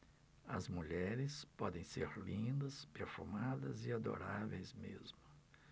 as mulheres podem ser lindas perfumadas e adoráveis mesmo